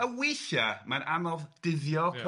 ...a weithiau mae'n anodd dyddio... Ia.